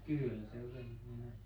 kyllä se yleensä niin on